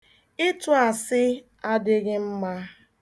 Ịtụ asị adịghị mma.